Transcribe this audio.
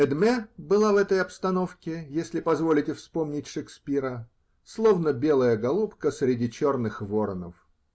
Эдмэ была в этой обстановке, если позволите вспомнить Шекспира, словно белая голубка среди черных воронов.